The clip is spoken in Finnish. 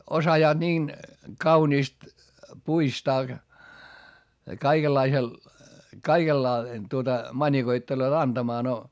osaavat niin kauniisti puistaa kaikenlaisella - tuota manikoittelevat antamaan no